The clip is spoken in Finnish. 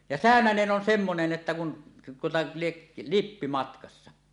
ja säynänen on semmoinen että kun tuota lie lippi matkassa